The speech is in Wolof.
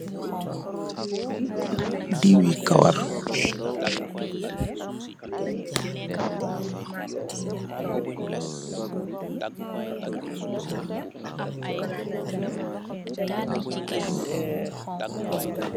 Diwi kawaar